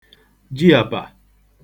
jiàpà